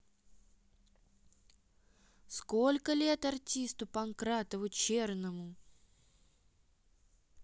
сколько лет артисту панкратову черному